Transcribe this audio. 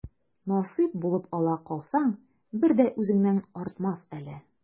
Насыйп булып ала калсаң, бер дә үзеңнән артмас әле.